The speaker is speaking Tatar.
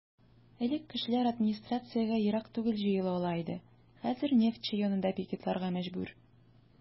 Элек кешеләр администрациягә ерак түгел җыела ала иде, хәзер "Нефтьче" янында пикетларга мәҗбүр.